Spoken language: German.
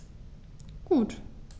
Gut.